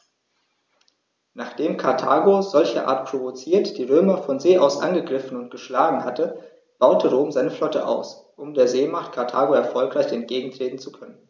Nachdem Karthago, solcherart provoziert, die Römer von See aus angegriffen und geschlagen hatte, baute Rom seine Flotte aus, um der Seemacht Karthago erfolgreich entgegentreten zu können.